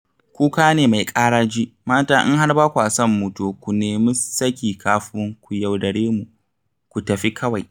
Kuka ne mai ƙaraji, mata in har ba kwa son mu to ku nemi saki kafin ku yaudare mu, ku tafi kawai.